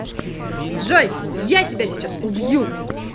джой я тебя сейчас убью